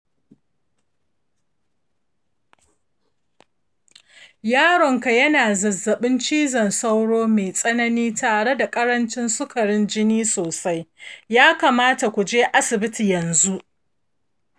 yaronka yana da zazzaɓin cizon sauro mai tsanani tare da karancin sukarin jini sosai, ya kamata ku je asibiti yanzu.